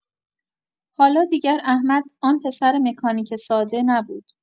حالا دیگر احمد آن پسر مکانیک ساده نبود.